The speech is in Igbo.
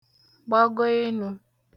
gbàgo enū